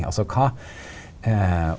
altså kva .